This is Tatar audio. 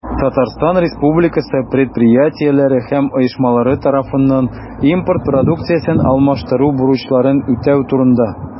Татарстан Республикасы предприятиеләре һәм оешмалары тарафыннан импорт продукциясен алмаштыру бурычларын үтәү турында.